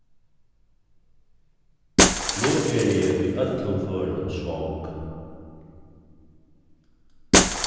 nú eri eg í øllum førum svong